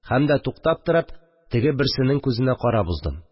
Һәм дә туктап торып, теге берсенең күзенә карап уздым